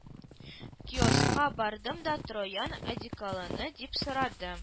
Киоскка бардым да троян одеколоны дип сорадым